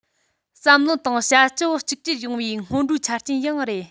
བསམ བློ དང བྱ སྤྱོད གཅིག གྱུར ཡོང བའི སྔོན འགྲོའི ཆ རྐྱེན ཡང རེད